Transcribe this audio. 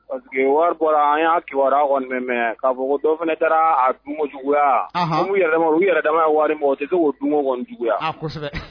Parceseke wari bɔra an y'a kiba lamɛnmɛ ka bɔ dɔ fana taara juguya an yɛlɛma u yɛrɛ da wari o tɛ se k oo dun juguya